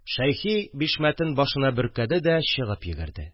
Шәйхи бишмәтен башына бөркәде дә, чыгып йөгерде